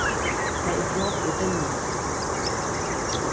tað er brot úr dimmu